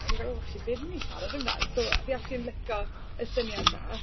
O'n ni fel o "acshyli be fi mynd i siarad amdan". So fi acshyli yn lico y syniad 'na.